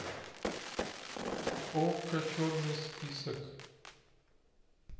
око черный список